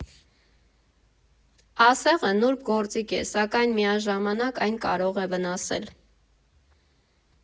Ասեղը նուրբ գործիք է, սակայն միաժամանակ այն կարող է վնասել…